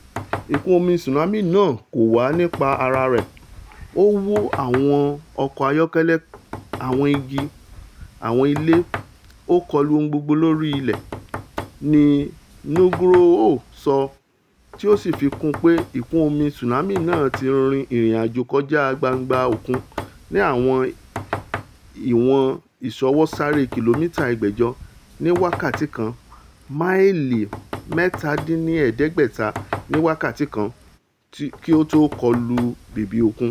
Ìkún-omi tsunami náà kòwá nípa ara rẹ̀, ó wọ́ àwọn ọkọ́ ayọ́kẹ́lẹ́, àwọn igi, àwọn ilé, ó kọlu ohun gbogbo lórí ilẹ̀,'' ni Nugroho sọ, tí ó sì fikún un pé ìkún-omi tsunami náà ti rin ìrìn-àjò kọjá gbangba òkun ní àwọn ìwọ̀n ìṣọwọ́sáré kìlómítà ẹgbẹ̀jọ̀ ní wákàtí kan (máìlí 497 ní wákàtí kan) kí ó tó kọlu bèbè òkun.